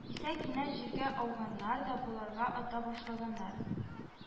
Исә кинәт җиргә ауганнар да боларга ата башлаганнар